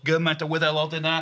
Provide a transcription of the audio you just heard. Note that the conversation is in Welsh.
Gymaint o Wyddelod yna.